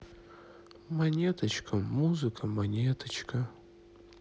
монеточка музыка монеточка